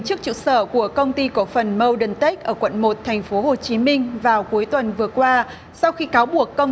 trước trụ sở của công ty cổ phần mâu đừn tếch ở quận một thành phố hồ chí minh vào cuối tuần vừa qua sau khi cáo buộc công